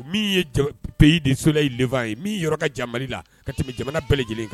Min ye bɛɛ desola ye min yɔrɔ ka jamana la ka tɛmɛ jamana bɛɛ lajɛlen kan